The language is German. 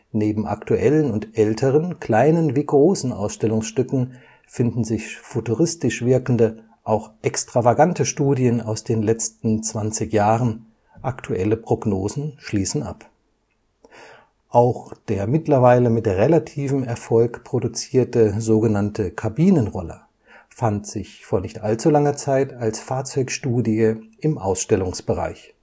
Neben aktuellen und älteren, kleinen wie großen Ausstellungsstücken finden sich futuristisch wirkende, auch extravagante Studien aus den letzten 20 Jahren, aktuelle Prognosen schließen ab. Auch der mittlerweile mit relativem Erfolg produzierte „ Kabinenroller “fand sich vor nicht allzu langer Zeit als Fahrzeugstudie im Ausstellungsbereich